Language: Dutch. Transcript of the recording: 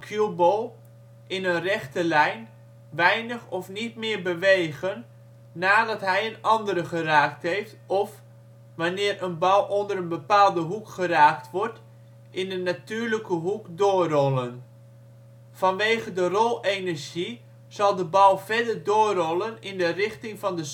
cueball (in een rechte lijn) weinig of niet meer bewegen nadat hij een andere geraakt heeft of (wanneer een bal onder een bepaalde hoek geraakt wordt) in de natuurlijke hoek doorrollen. Vanwege de rolenergie zal de bal verder doorrollen in de richting van de